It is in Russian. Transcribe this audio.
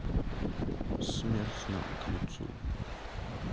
смерть нам к лицу